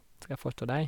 Skal forstå deg.